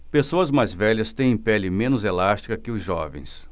pessoas mais velhas têm pele menos elástica que os jovens